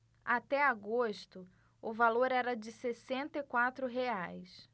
até agosto o valor era de sessenta e quatro reais